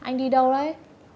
anh đi đâu đấy